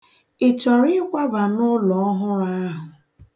Ị chọrọ ịkwaba n'ulo ọhụrụ ahụ?